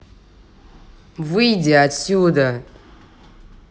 выйти отсюда